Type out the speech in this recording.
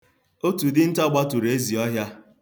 Otu dinta gbutere ezi ọhịa.